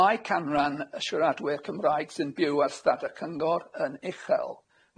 Mae canran y siaradwyr Cymraeg sy'n byw ar Stada' Cyngor yn uchel.